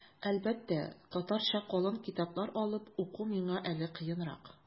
Әлбәттә, татарча калын китаплар алып уку миңа әле кыенрак.